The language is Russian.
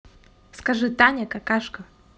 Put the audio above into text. скажи таня какашка